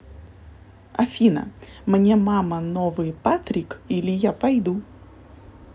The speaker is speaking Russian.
афина мне мама новые патрик или я пойду